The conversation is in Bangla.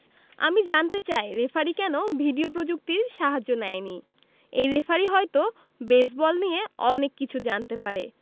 আমি জানতে চাই রেফারি কেন ভিডিও প্রযুক্তির সাহায্য নেয়নি এই রেফারি হয়তো বেসবল নিয়ে অনেক কিছু জানতে পারে